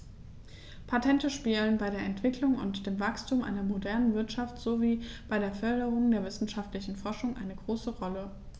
Patente spielen bei der Entwicklung und dem Wachstum einer modernen Wirtschaft sowie bei der Förderung der wissenschaftlichen Forschung eine große Rolle.